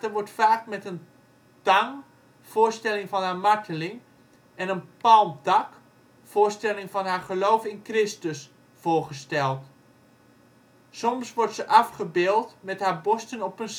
wordt vaak met een tang (voorstelling van haar marteling) en een palmtak (voorstelling van haar geloof in Christus) voorgesteld. Soms wordt ze afgebeeld met haar borsten op een schaal